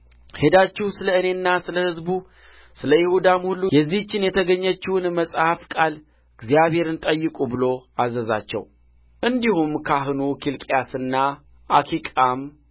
ሄዳችሁ ስለ እኔና ስለ ሕዝቡ ስለ ይሁዳም ሁሉ የዚህችን የተገኘችውን መጽሐፍ ቃል እግዚአብሔርን ጠይቁ ብሎ አዘዛቸው እንዲሁም ካህኑ ኬልቅያስና አኪቃም